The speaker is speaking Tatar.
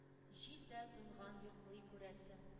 Җил дә тынган, йоклый, күрәсең.